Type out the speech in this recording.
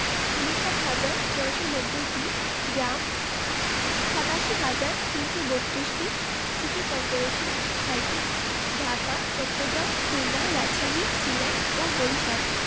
৫৯হাজার ৯৯০টি গ্রাম ৮৭হাজার ৩৬২টি সিটি কর্পোরেশন ৬টি ঢাকা চট্টগ্রাম খুলনা রাজশাহী সিলেট ও বরিশাল